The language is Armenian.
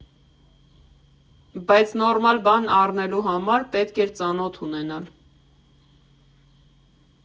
Բայց նորմալ բան առնելու համար պետք էր ծանոթ ունենալ։